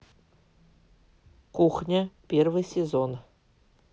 кухня первый сезон